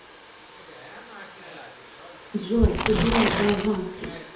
джой ты дурак болванский